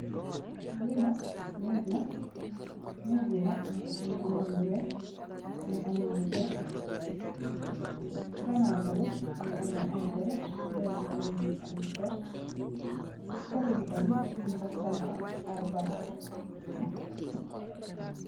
Lii nak neek la, neek bi nak, mungi ameh lu weex, mungi ameh lu vert, si ganaaw tamih, mungi ameh aye garap, garap bi tamit ñungi ameh lu vert, si kotebi tamih, ñungfa sampa aye banta.